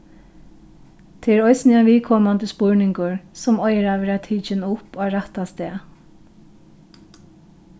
tað er eisini ein viðkomandi spurningur sum eigur at verða tikin upp á rætta stað